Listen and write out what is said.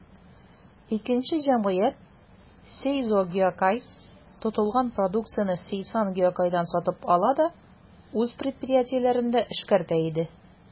Икенче җәмгыять, «Сейзо Гиокай», тотылган продукцияне «Сейсан Гиокайдан» сатып ала да үз предприятиеләрендә эшкәртә иде.